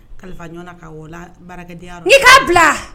Kalifa ɲɔgɔnna ka baarakɛdenyaya i ka bila